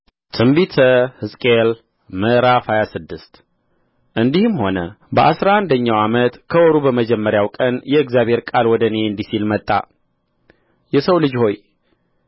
ትንቢተ ሕዝቅኤል ምዕራፍ ሃያ ስድስት እንዲህም ሆነ በአሥራ አንደኛው ዓመት ከወሩ በመጀመሪያው ቀን የእግዚአብሔር ቃል ወደ እኔ እንዲህ ሲል መጣ የሰው ልጅ ሆይ